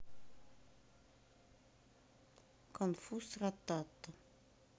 конфуз ратата